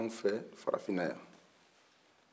aw fɛ farafinan yan